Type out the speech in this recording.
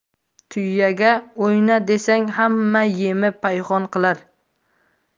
tuyaga o'yna desang hamma yemi payhon qilar